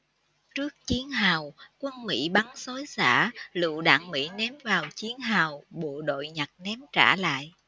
trước chiến hào quân mỹ bắn xối xả lựu đạn mỹ ném vào chiến hào bộ đội nhặt ném trả lại